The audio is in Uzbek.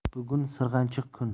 bugun sirg'anchiq kun